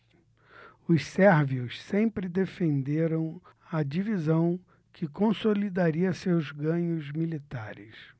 os sérvios sempre defenderam a divisão que consolidaria seus ganhos militares